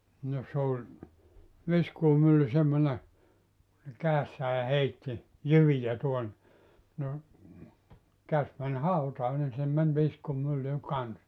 no se oli viskuumylly semmoinen ne kädessään heitti jyviä tuonne no käsi meni hautaan niin sinne meni viskuumylly kanssa